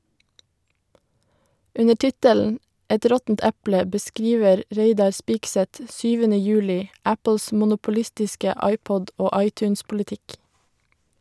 Under tittelen "Et råttent eple" beskriver Reidar Spigseth 7. juli Apples monopolistiske iPod- og iTunes-politikk.